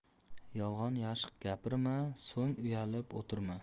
yolg'on yashiq gapirma so'ng uyalib o'tirma